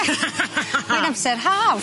Mae'n amser haf.